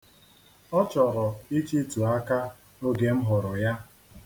Ọ chọrọ ịchịtu aka oge m hụrụ ya.